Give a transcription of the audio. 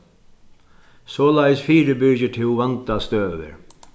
soleiðis fyribyrgir tú vandastøður